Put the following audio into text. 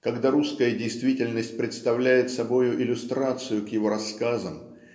когда русская действительность представляет собою иллюстрацию к его рассказам